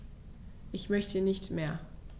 Ich möchte nicht mehr.